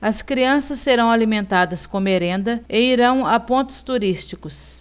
as crianças serão alimentadas com merenda e irão a pontos turísticos